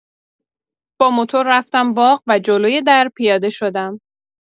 با موتور رفتم باغ و جلوی در پیاده شدم.